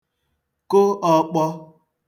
kụ ọ̄kpọ̄